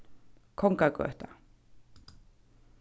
kongagøta